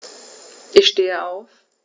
Ich stehe auf.